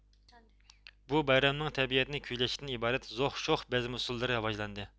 بۇ بايرامنىڭ تەبىئەتنى كۈيلەشتىن ئىبارەت زوخ شوخ بەزمە ئۇسسۇللىرى راۋاجلاندى